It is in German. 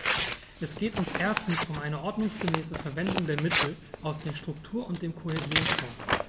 Es geht uns erstens um eine ordnungsgemäße Verwendung der Mittel aus den Struktur- und dem Kohäsionsfonds.